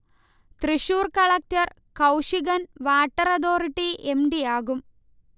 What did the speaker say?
Thrissur collector Kaushigan water authority M. D. യാകും